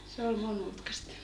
se oli monimutkaista